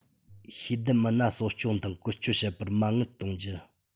ཤེས ལྡན མི སྣ གསོ སྐྱོང དང བཀོལ སྤྱོད བྱེད པར མ དངུལ གཏོང རྒྱུ